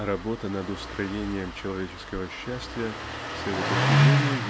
работа над устроением человеческого счастья с этой точки зрения